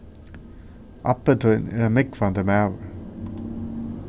abbi tín er ein múgvandi maður